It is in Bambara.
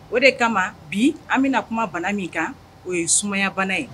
O de kama bi an bɛna kuma bala min kan o ye sumayabana ye